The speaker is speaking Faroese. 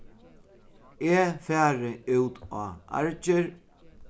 eg fari út á argir